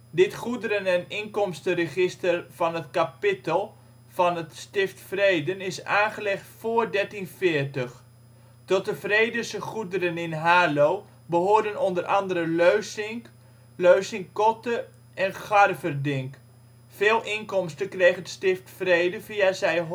Dit goederen - en inkomstenregister van het kapittel van het Stift Vreden is aangelegd vóór 1340. Tot de Vredense goederen in Haarlo behoorden onder andere Leusink, Leusinkotte en Garverdinck. Veel inkomsten kreeg het Stift Vreden via zijn